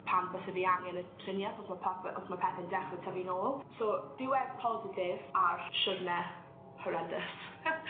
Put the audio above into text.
pam byse fi angen y trinieth 'chos ma' pope- os ma' pethe'n dechre tyfu nôl so diwedd positif ar siwrne horrendous.